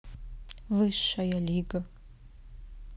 высшая лига